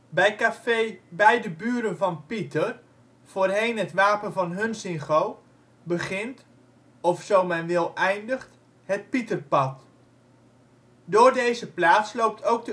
Bij café Bij de buren van Pieter (voorheen: Het Wapen van Hunsingo) begint (of zo men wil eindigt) het Pieterpad. Door deze plaats loopt ook